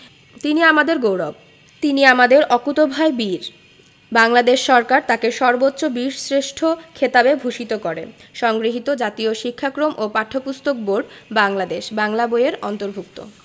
তিনি আমাদের গৌরব তিনি আমাদের অকুতোভয় বীর বাংলাদেশ সরকার তাঁকে সর্বোচ্চ বীরশ্রেষ্ঠ খেতাবে ভূষিত করে সংগৃহীত জাতীয় শিক্ষাক্রম ও পাঠ্যপুস্তক বোর্ড বাংলাদেশ বাংলা বই এর অন্তর্ভুক্ত